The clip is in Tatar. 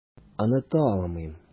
Оныта алмыйм.